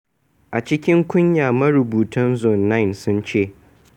A cikin kunya, marubutan Zone9 sun ce: